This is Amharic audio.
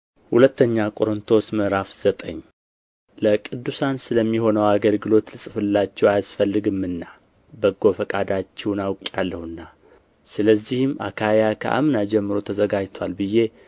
ሁለተኛ ቆሮንቶስ ምዕራፍ ዘጠኝ ለቅዱሳን ስለሚሆነው አገልግሎት ልጽፍላችሁ አያስፈልግምና በጎ ፈቃዳችሁን አውቄአለሁና ስለዚህም አካይያ ከአምና ጀምሮ ተዘጋጅቶአል ብዬ